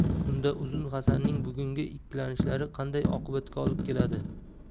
unda uzun hasanning bugungi ikkilanishlari qanday oqibatga olib keladi